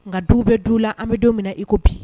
Nka du bɛ du la an bɛ don minɛ iko bi